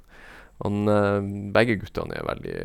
han Begge guttene er veldig...